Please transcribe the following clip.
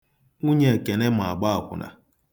Nwunye Ekene ma agba akwụna.